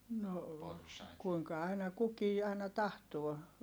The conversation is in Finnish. no kuinka aina kukin aina tahtoo